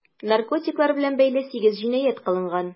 Наркотиклар белән бәйле 8 җинаять кылынган.